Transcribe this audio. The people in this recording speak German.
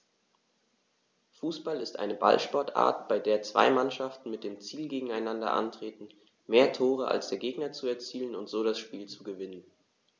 Fußball ist eine Ballsportart, bei der zwei Mannschaften mit dem Ziel gegeneinander antreten, mehr Tore als der Gegner zu erzielen und so das Spiel zu gewinnen.